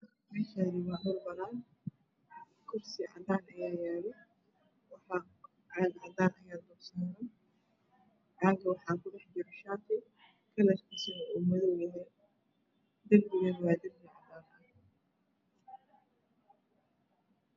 Meshani waa dhuul banaan kursi cadan ayaa yalo caag cadana ayaa dul saran caaga waxaa ku dhex jira shati midabkiisu madow yahaay derbigana waa derbi cadan ah